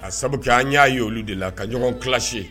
A sabu kɛ an y'a ye olu de la ka ɲɔgɔn kisi ye